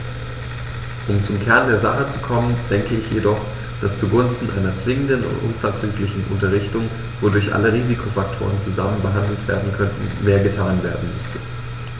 Um zum Kern der Sache zu kommen, denke ich jedoch, dass zugunsten einer zwingenden und unverzüglichen Unterrichtung, wodurch alle Risikofaktoren zusammen behandelt werden könnten, mehr getan werden müsste.